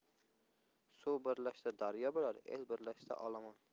suv birlashsa daryo bo'lar el birlashsa olomon